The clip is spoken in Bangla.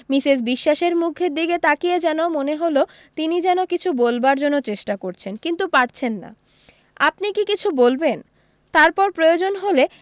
মিসেস বিশ্বাসের মুখের দিকে তাকিয়ে যেন মনে হলো তিনি যেন কিছু বলবার জন্য চেষ্টা করছেন কিন্তু পারছেন না আপনি কী কিছু বলবেন তারপর প্রয়োজন হলে